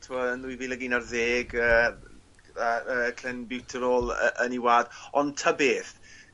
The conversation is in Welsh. t'mo' yn nwy fil ag un ar ddeg yy gyda yy clenbuterol y- yn 'i wad. Ond ta beth